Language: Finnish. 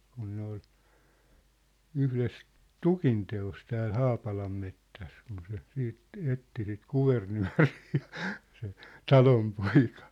kun ne oli yhdessä tukinteossa täällä Haapalanmetsässä kun se sitten etsi sitä Kuvernööriä se Talonpoika